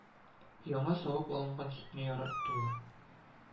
Яңа савып алынган сөтне яратуы